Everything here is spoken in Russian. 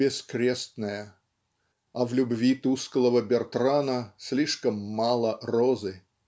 бескрестная, а в любви тусклого Бертрана слишком мало розы.